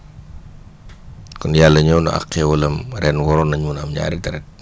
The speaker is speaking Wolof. kon yàlla ñëw na ak xéwalam ren waroon nañu mun a am ñaari traite